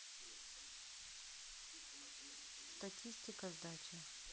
статистика сдачи